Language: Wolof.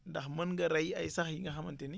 ndax mën nga rey ay sax yi nga xamante ni